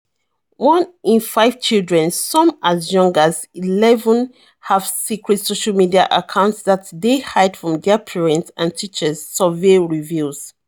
One in five children - some as young as 11 - have secret social media accounts that they hide from their parents and teachers, survey reveals